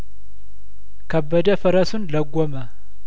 ከበደ ፈረሱን ለጐመ